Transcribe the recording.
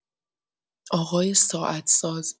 آقای ساعت‌ساز